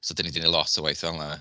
So 'da ni 'di neud lot o waith fel 'na.